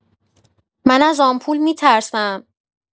من از آمپول می‌ترسم.